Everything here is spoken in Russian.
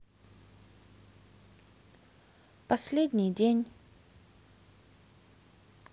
последний день